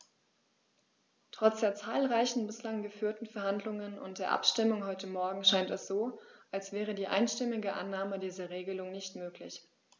Trotz der zahlreichen bislang geführten Verhandlungen und der Abstimmung heute Morgen scheint es so, als wäre die einstimmige Annahme dieser Regelung nicht möglich.